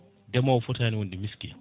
ndemowo fotani wonde miskino